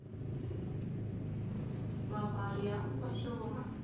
бавария барселона